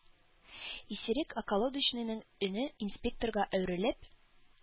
Исерек околодочныйның өне инспекторга әверелеп: